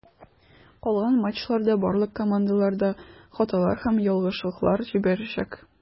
Калган матчларда барлык командалар да хаталар һәм ялгышлыклар җибәрәчәк.